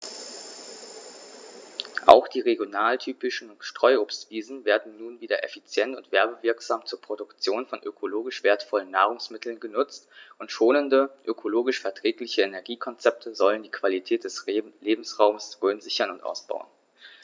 Auch die regionaltypischen Streuobstwiesen werden nun wieder effizient und werbewirksam zur Produktion von ökologisch wertvollen Nahrungsmitteln genutzt, und schonende, ökologisch verträgliche Energiekonzepte sollen die Qualität des Lebensraumes Rhön sichern und ausbauen.